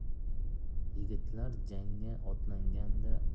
yigitlar jangga otlanganda